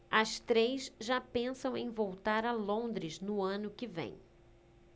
as três já pensam em voltar a londres no ano que vem